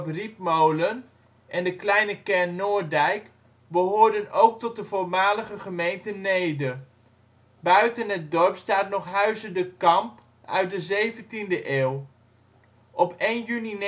Rietmolen en de kleine kern Noordijk behoorden ook tot de voormalige gemeente Neede. Buiten het dorp staat nog Huize de Kamp uit de 17de eeuw. Op 1 juni 1927